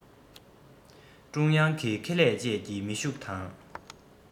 ཀྲུང དབྱང གི ཁེ ལས བཅས ཀྱིས མི ཤུགས དང